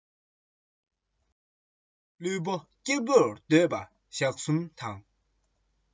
ལུས པོ སྐྱིད པོར སྡོད པ ཞག གསུམ དང